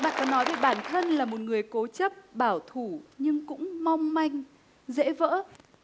bạn có nói thì bản thân là một người cố chấp bảo thủ nhưng cũng mong manh dễ vỡ